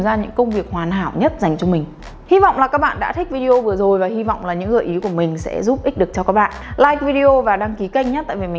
những công việc hoàn hảo nhất dành cho mình hy vọng là các bạn đã thích cái video vừa rồi và hy vọng là những gợi ý của mình sẽ giúp ích được cho các bạn like video và đăng kí kênh nhé tại vì mình